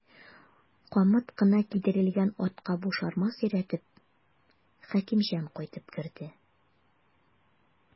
Камыт кына кидерелгән атка буш арба сөйрәтеп, Хәкимҗан кайтып керде.